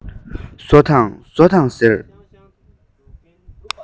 ཟོ དང ཟོ དང ཟེར